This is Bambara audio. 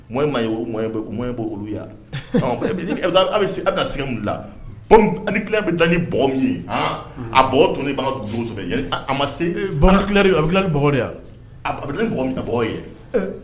Bɛ olu ye wa? A' bɛn'a singa mun de la? Bombe nucéaire bɛ dilan ni bɔgɔ min ye han! a bɔgɔ tonnen bɛ an ka dugukolo sanfɛ yann,i a ma se. Bombe nucléaire a bɛ dilan ni bɔgɔ de ye wa? A bɛ dilan ni bɔgɔ ye. E!